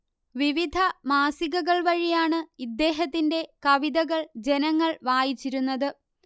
വിവിധ മാസികകൾ വഴിയാണ് ഇദ്ദേഹത്തിന്റെ കവിതകൾ ജനങ്ങൾ വായിച്ചിരുന്നത്